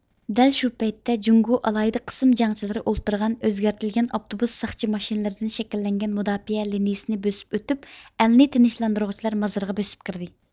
دەل شۇ پەيتتە جۇڭگو ئالاھىدە قىسىم جەڭچىلىرى ئولتۇرغان ئۆزگەرتىلگەن ئاپتوبۇس ساقچى ماشىنىلىرىدىن شەكىللەنگەن مۇداپىئە لېنىيىسىنى بۆسۈپ ئۆتۈپ ئەلنى تېنچلاندۇرغۇچىلار مازىرىغا بۆسۈپ كىردى